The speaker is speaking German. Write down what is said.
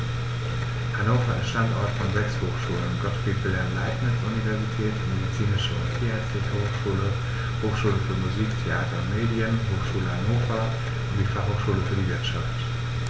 Hannover ist Standort von sechs Hochschulen: Gottfried Wilhelm Leibniz Universität, Medizinische und Tierärztliche Hochschule, Hochschule für Musik, Theater und Medien, Hochschule Hannover und die Fachhochschule für die Wirtschaft.